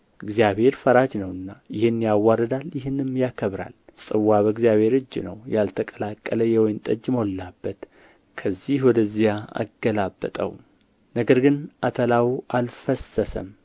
እግዚአብሔር ፈራጅ ነውና ይህን ያዋርዳል ይህንም ያከብራል ጽዋ በእግዚአብሔር እጅ ነውና ያልተቀላቀለ የወይን ጠጅ ሞላበት ከዚህ ወደዚያ አገላበጠው ነገር ግን አተላው አልፈሰሰም